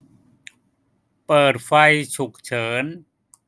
เปิดไฟฉุกเฉิน